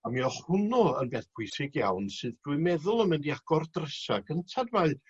A mi o' hwnnw yn beth bwysig iawn sydd dwi'n meddwl yn mynd i agor drysa gyntad mae